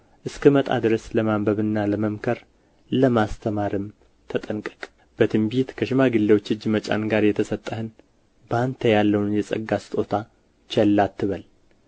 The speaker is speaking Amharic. እስክመጣ ድረስ ለማንበብና ለመምከር ለማስተማርም ተጠንቀቅ በትንቢት ከሽማግሌዎች እጅ መጫን ጋር የተሰጠህን በአንተ ያለውን የጸጋ ስጦታ ቸል አትበል